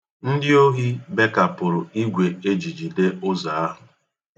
Ndị ohi bekapụrụ igwe e ji jide ụzọ ahụ